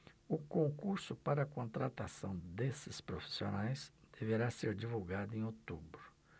o concurso para contratação desses profissionais deverá ser divulgado em outubro